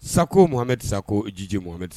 Sako muhamɛdi sako Djidié muhamɛdi